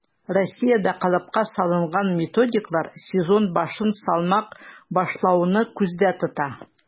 Россиядә калыпка салынган методикалар сезон башын салмак башлауны күздә тота: